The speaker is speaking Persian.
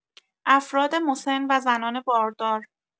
افراد مسن و زنان باردار